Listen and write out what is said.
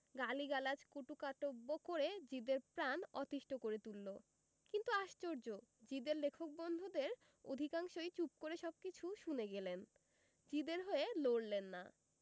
গালিগালাজ কটুকাটব্য করে জিদে র প্রাণ অতিষ্ঠ করে তুলল কিন্তু আশ্চর্য জিদে র লেখক বন্ধুদের অধিকাংশই চুপ করে সবকিছু শুনে গেলেন জিদে র হয়ে লড়লেন না